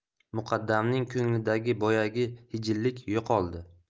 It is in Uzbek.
muqaddamning ko'nglidagi boyagi hijillik yo'qoldi